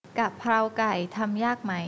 กะเพราไก่ทำยากไหม